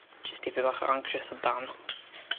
jyst tipyn o anctious amdan